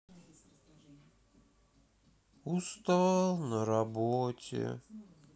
устал на работе